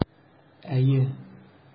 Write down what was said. Әйе.